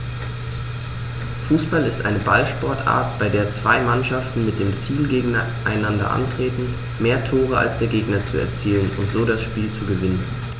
Fußball ist eine Ballsportart, bei der zwei Mannschaften mit dem Ziel gegeneinander antreten, mehr Tore als der Gegner zu erzielen und so das Spiel zu gewinnen.